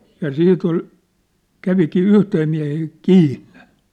ja sitä oli kävikin yhteen mieheen kiinni